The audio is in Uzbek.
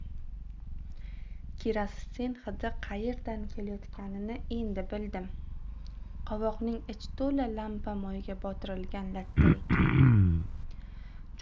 kerosin hidi qayerdan kelayotganini endi bildim qovoqning ichi to'la lampamoyga botirilgan latta ekan